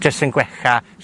jys yn gwella